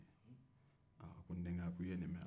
a ko denkɛ i ye nin mɛn wa